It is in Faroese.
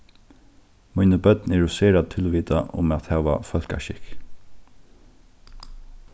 míni børn eru sera tilvitað um at hava fólkaskikk